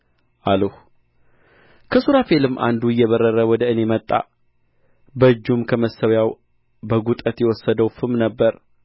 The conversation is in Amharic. አልሁ ከሱራፌልም አንዱ እየበረረ ወደ እኔ መጣ በእጁም ከመሠዊያው በጕጠት የወሰደው ፍም ነበረ